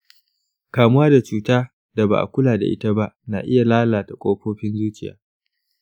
kamuwa da cuta da ba a kula da ita ba na iya lalata ƙofofin zuciya?